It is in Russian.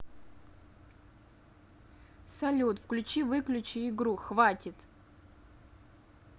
салют включи выключи игру хватит